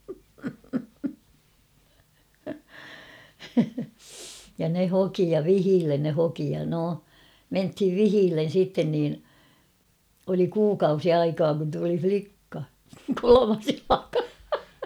ja ne hoki ja vihille ne hoki ja no mentiin vihille sitten niin oli kuukausi aikaa kun tuli likka kolmas jalka